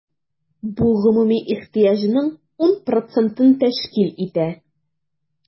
Бу гомуми ихтыяҗның 10 процентын тәшкил итә.